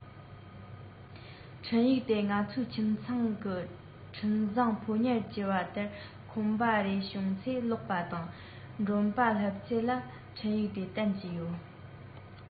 འཕྲིན ཡིག དེ ང ཚོའི ཁྱིམ ཚང གི འཕྲིན བཟང ཕོ ཉར གྱུར པ དེ ཁོམ པ རེ བྱུང ཚེ ཀློག པ དང མགྲོན པོ སླེབས ཚད ལ འཕྲིན ཡིག དེ བསྟན གྱི ཡོད